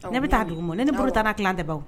Ne bɛ taa dugu mɔn, ne ni buru tɛ ban o